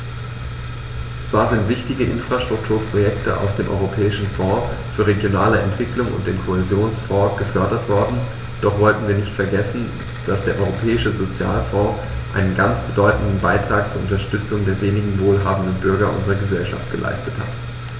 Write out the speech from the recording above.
Zwar sind wichtige Infrastrukturprojekte aus dem Europäischen Fonds für regionale Entwicklung und dem Kohäsionsfonds gefördert worden, doch sollten wir nicht vergessen, dass der Europäische Sozialfonds einen ganz bedeutenden Beitrag zur Unterstützung der weniger wohlhabenden Bürger unserer Gesellschaft geleistet hat.